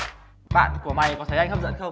bạn của mày có thấy anh hấp dẫn không